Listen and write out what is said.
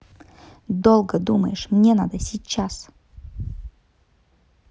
долго думаешь мне надо сейчас